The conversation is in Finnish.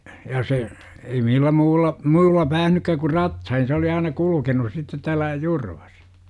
ja se ei millään muulla muulla päässytkään kuin ratsain se oli aina kulkenut sitten täällä Jurvassa